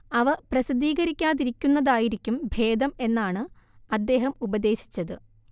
അവ പ്രസിദ്ധീകരിക്കാതിരിക്കുന്നതായിരിക്കും ഭേദം എന്നാണ് അദ്ദേഹം ഉപദേശിച്ചത്